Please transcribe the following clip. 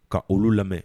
Ka olu lamɛn